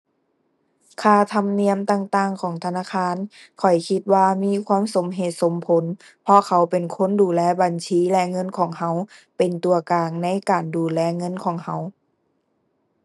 ค่าธรรมเนียมต่างต่างของธนาคาร ข้อยคิดว่ามีความสมเหตุสมผล เพราะเขาเป็นคนดูแลบัญชีและเงินของเรา เป็นตัวกลางในการดูแลเงินของเรา